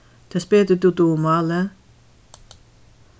tess betur tú dugir málið